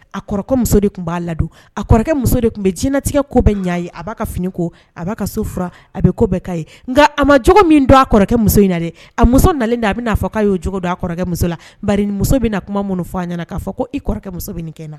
A de tun b'a ladon a kɔrɔkɛ muso de tun bɛ jinɛinatigɛ ko bɛɛ ɲɛ ye a b'a fini ko a b'a so a bɛ ko nka a ma cogo min don a kɔrɔkɛ muso in na a muso na a bɛ'a k'a y'o cogo don a kɔrɔkɛ muso la muso bɛna na kuma minnu fɔ' a nana k'a fɔ ko i kɔrɔkɛ muso kɛ na